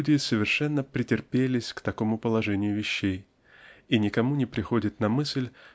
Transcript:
люди совершенно притерпелись к такому положению вещей и никому не приходит на мысль